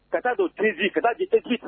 Ka taa don tz ka ditsi